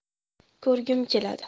ko'rgim keladi